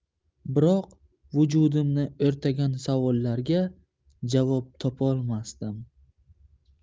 biroq vujudimni o'rtagan savollarga javob topolmasdim